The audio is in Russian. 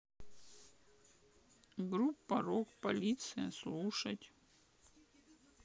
группа рок полиция слушать